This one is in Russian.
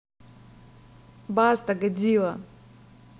баста годзилла